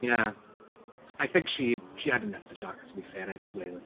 Yeah I think she she had enough of Jaques to be fair and I don't blame her.